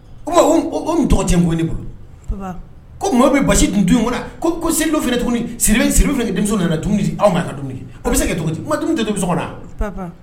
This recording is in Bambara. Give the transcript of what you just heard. Ko tɔgɔ tɛ bɔ bolo ko mɔgɔ bɛ basi tun dun ko ko siridu tuguni siri denmisɛn nana tun di aw ma ka dumuni bɛ se kɛ di ma tɛ kɔnɔ na